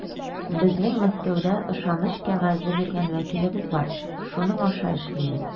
Безнең Мәскәүдә ышаныч кәгазе биргән вәкилебез бар, шуның аша эшлибез.